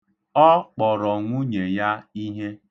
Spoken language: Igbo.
Ọ kpọrọ nwunye ya ihe.